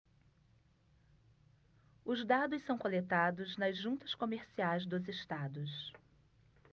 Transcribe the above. os dados são coletados nas juntas comerciais dos estados